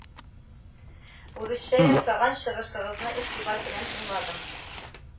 Урысча ясаган чыгышыгызны игътибар белән тыңладым